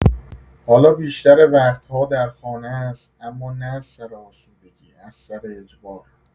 حالا بیشتر وقت‌ها در خانه است، اما نه از سر آسودگی، از سر اجبار.